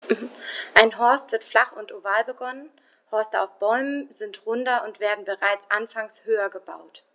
Ein Horst wird flach und oval begonnen, Horste auf Bäumen sind runder und werden bereits anfangs höher gebaut.